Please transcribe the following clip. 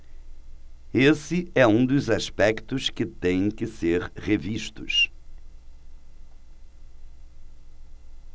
esse é um dos aspectos que têm que ser revistos